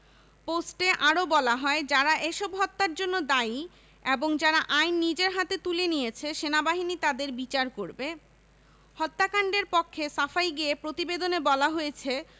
পোস্টে আরো বলা হয় যারা এসব হত্যার জন্য দায়ী এবং যারা আইন নিজের হাতে তুলে নিয়েছে সেনাবাহিনী তাদের বিচার করবে হত্যাকাণ্ডের পক্ষে সাফাই গেয়ে প্রতিবেদনে বলা হয়েছে